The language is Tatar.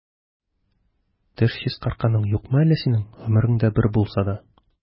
Теш чистартканың юкмы әллә синең гомереңдә бер булса да?